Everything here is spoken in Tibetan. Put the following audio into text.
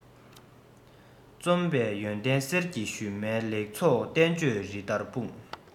རྩོམ པས ཡོན ཏན གསེར གྱི ཞུན མའི ལེགས ཚོགས བསྟན བཅོས རི ལྟར སྤུངས